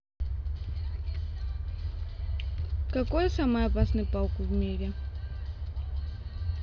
какой самый опасный паук в мире